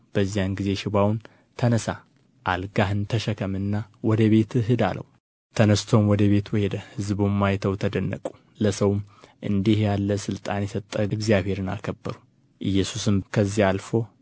በዚያን ጊዜ ሽባውን ተነሣ አልጋህን ተሸከምና ወደ ቤትህ ሂድ አለው ተነሥቶም ወደ ቤቱ ሄደ ሕዝቡም አይተው ተደነቁ ለሰውም እንዲህ ያለ ሥልጣን የሰጠ እግዚአብሔርን አከበሩ ኢየሱስም ከዚያ አልፎ